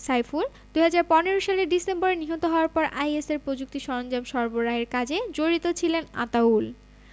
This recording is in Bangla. সাইফুল ২০১৫ সালের ডিসেম্বরে নিহত হওয়ার পর আইএসের প্রযুক্তি সরঞ্জাম সরবরাহের কাজে জড়িত ছিলেন আতাউল